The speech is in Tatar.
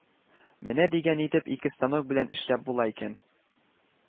Менә дигән итеп ике станок белән эшләп була икән